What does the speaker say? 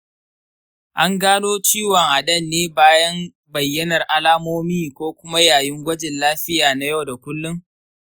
an gano ciwon a dan ne bayan bayyanar alamomi ko kuma yayin gwajin lafiya na yau da kullum?